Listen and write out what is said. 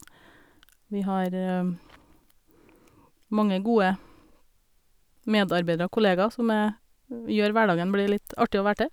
Vi har mange gode medarbeidere, kollegaer, som er gjør hverdagen blir litt artig å være til.